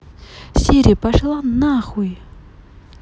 сири пошла нахуй